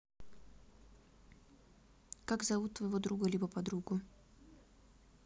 как зовут твоего друга либо подругу